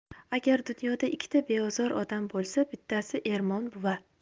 agar dunyoda ikkita beozor odam bo'lsa bittasi ermon buva